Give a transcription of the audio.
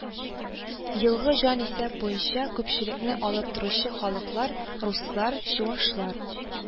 Елгы җанисәп буенча күпчелекне алып торучы халыклар: руслар , чуашлар